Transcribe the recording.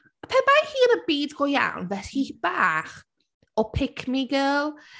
Pe bai hi yn y byd go iawn, byse hi bach o pick-me girl.